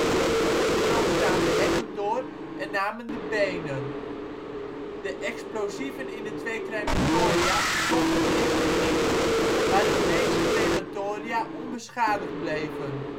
de onder stroom staande hekken door en namen de benen. De explosieven in de twee crematoria ontploften echter niet, waardoor deze crematoria onbeschadigd bleven